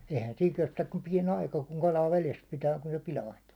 eihän siinä kestä kuin pieni aika kun kalaa vedessä pitää kun se pilaantuu